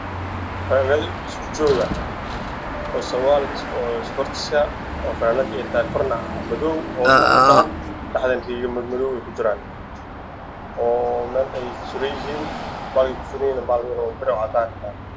Fanaanado iskujoog ah oo meel suran